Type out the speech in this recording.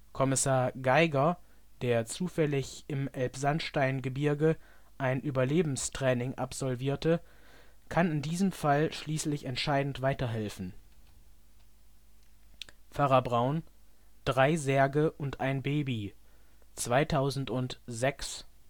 Kommissar Geiger, der zufällig im Elbsandsteingebirge ein Überlebenstraining absolvierte, kann in diesem Fall schließlich entscheidend weiterhelfen. Pfarrer Braun - Drei Särge und ein Baby (2006